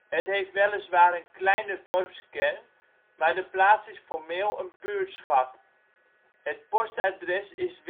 Het heeft weliswaar een kleine dorpskern, maar de plaats is formeel een buurtschap. Het postadres is